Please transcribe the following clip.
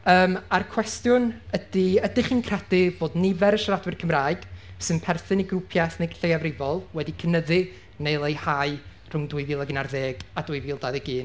yym a'r cwestiwn ydi, ydych chi'n credu bod nifer y siaradwyr Cymraeg sy'n perthyn i grwpiau ethnig lleiafrifol wedi cynyddu neu leihau rhwng dwy fil ac unarddeg a dwy fil dau ddeg un?